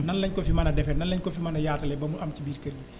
nan la ñu ko fi mën a defee nan la ñu ko fi mën a yaatalee ba mu am ci biir kër gi